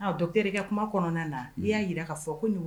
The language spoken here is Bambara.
Kuma kɔnɔna na y'a jira ka fɔ ko ɲɔgɔn